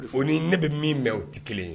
O ni ne bɛ min bɛn o tɛ kelen ye